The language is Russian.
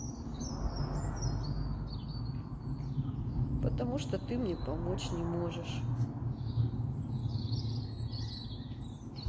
потому что ты мне помочь не можешь